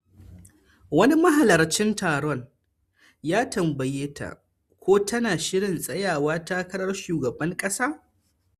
Wani mahalarcin taron ya tambaye ta ko tana shirin tsayawa takarar shugaban kasa.